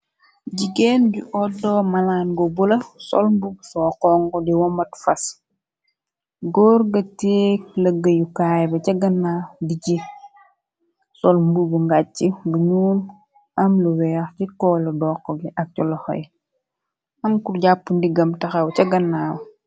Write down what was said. Jigeen du oddoo malaan go bula solmbub soo kong di wamat fas gor ga teek lëggayu kaay ba ca gannaaw di ci solmbu bu ngàcc bu ñuom am lu weex ci koola dokk gi ak coloxoy am kur jàpp ndiggam taxaw ca gannaaw.